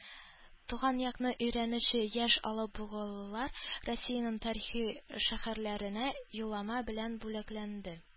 Туган якны өйрәнүче яшь алабугалылар Россиянең тарихи шәһәрләренә юллама белән бүләкләнде